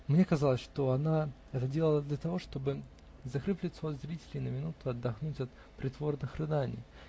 Мне казалось, что она это делала для того, чтобы, закрыв лицо от зрителей, на минуту отдохнуть от притворных рыданий.